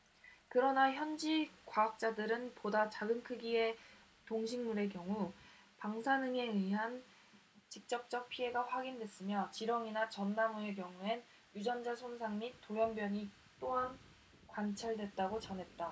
그러나 현지 과학자들은 보다 작은 크기의 동식물의 경우 방사능에 의한 직접적 피해가 확인됐으며 지렁이나 전나무의 경우엔 유전자 손상 및 돌연변이 또한 관찰됐다고 전했다